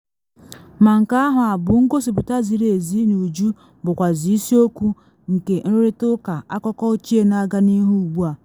Ma nke ahụ abụ ngosipụta ziri ezi n’uju bụkwazị isiokwu nke nrịrụta ụka akụkọ ochie na aga n’ihu ugbu a.